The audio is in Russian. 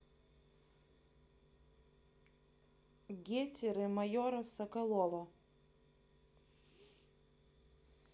гетеры майора соколова